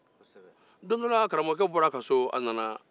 don dɔ la karamɔgɔkɛ bɔra a ka so